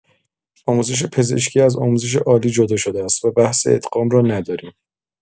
آموزش پزشکی از آموزش عالی جدا شده است و بحث ادغام را نداریم.